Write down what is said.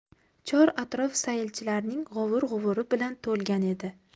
chor atrof sayilchilarning g'ovur g'uvuri bilan to'lgan edi